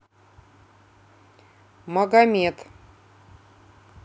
магомед